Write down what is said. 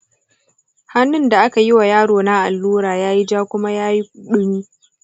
hannun da aka yi wa yarona allura ya yi ja kuma yayi ɗumi.